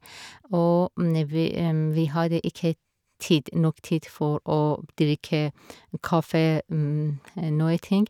Og vi vi hadde ikke tid nok tid for å drikke kaffe, noenting.